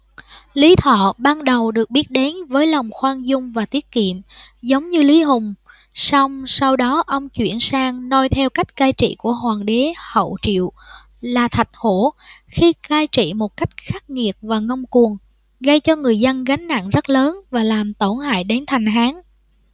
lý thọ ban đầu được biết đến với lòng khoan dung và tiết kiệm giống như lý hùng song sau đó ông chuyển sang noi theo cách cai trị của hoàng đế hậu triệu là thạch hổ khi cai trị một cách khắc nghiệt và ngông cuồng gây cho người dân gánh nặng rất lớn và làm tổn hại đến thành hán